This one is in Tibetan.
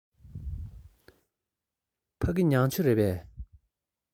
ཕ གི མྱང ཆུ རེད པས